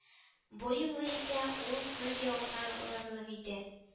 Бу юлы исә ул күз явын алырлык иде